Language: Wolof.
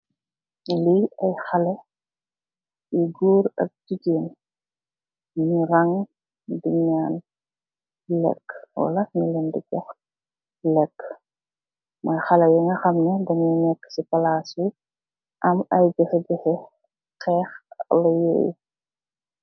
Lii ay xale yu goor ak jigeen, yu rang di nyaan lekk wala nyu leen di jox lekk, moy xale yoogg xamne deej nekk si palasi am ay jafejafe, xaax wala yoyu